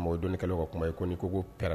Dɔnkɛlaw ka kuma ye ko'i koɛ